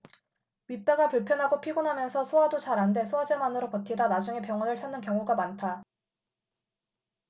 윗배가 불편하고 피곤하면서 소화도 잘 안 돼 소화제만으로 버티다 나중에 병원을 찾는 경우가 많다